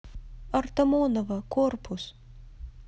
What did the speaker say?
артамонова корпус